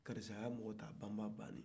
karisa ka mɔgɔtabama banna